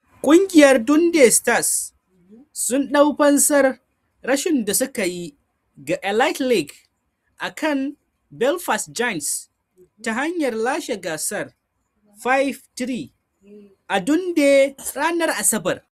Kungiyar Dundee Stars sun dau fansar rashin da sukayi ga Elite League a kan Belfast Giants ta hanyar lashe gasar 5-3 a Dundee ranar Asabar.